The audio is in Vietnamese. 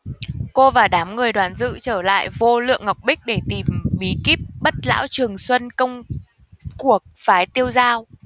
cô và đám người đoàn dự trở lại vô lượng ngọc bích để tìm bí kíp bất lão trường xuân công của phái tiêu dao